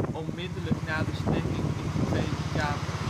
Onmiddellijk na de stemming in de Tweede Kamer